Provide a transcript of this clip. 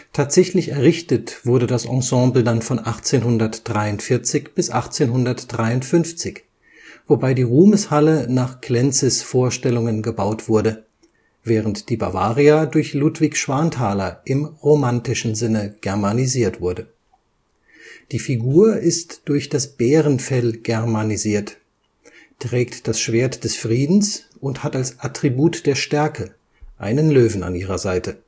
Tatsächlich errichtet wurde das Ensemble dann von 1843 bis 1853, wobei die Ruhmeshalle nach Klenzes Vorstellungen gebaut wurde, während die Bavaria durch Ludwig Schwanthaler im romantischen Sinne germanisiert wurde. Die Figur ist durch das Bärenfell germanisiert, trägt das Schwert des Friedens und hat als Attribut der Stärke einen Löwen an ihrer Seite